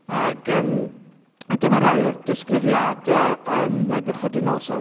Ac yym, a dyma rhai o'r disgrifiadau, yym, Nebiwchodynosor.